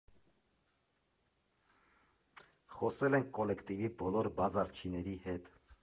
Խոսել ենք կոլեկտիվի բոլոր բազարչիների հետ։